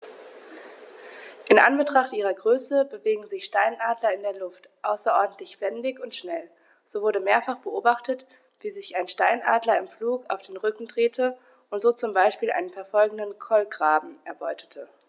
In Anbetracht ihrer Größe bewegen sich Steinadler in der Luft außerordentlich wendig und schnell, so wurde mehrfach beobachtet, wie sich ein Steinadler im Flug auf den Rücken drehte und so zum Beispiel einen verfolgenden Kolkraben erbeutete.